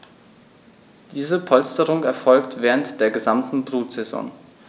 Diese Polsterung erfolgt während der gesamten Brutsaison.